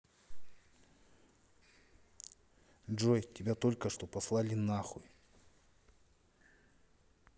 джой тебя только что послали нахуй